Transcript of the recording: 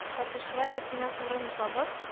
Сатучылар рәтеннән урын бы табып